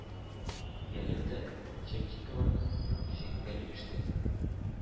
Виолетта Чепчикова җиңүгә иреште.